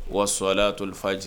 ' Wa sɔlatul a fajri